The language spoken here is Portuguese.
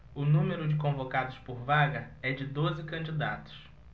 o número de convocados por vaga é de doze candidatos